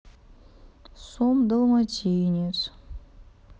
сом далматинец